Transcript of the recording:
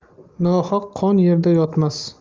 nohaq qon yerda yotmas